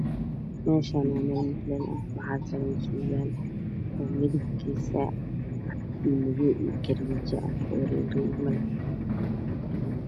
Meeshaan waa meel mutuleel ah waxa suran surwaal oo midabkiisa oo madoow iyo gariijo ah oo riig riigmo leh